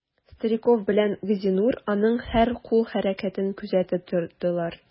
Стариков белән Газинур аның һәр кул хәрәкәтен күзәтеп тордылар.